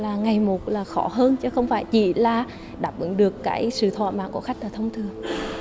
là ngày một là khó hơn chứ không phải chỉ là đáp ứng được cái sự thỏa mãn của khách là thông thường